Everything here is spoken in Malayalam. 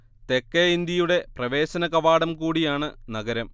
തെക്കേ ഇന്ത്യയുടെ പ്രവേശനകവാടം കൂടിയാണ് നഗരം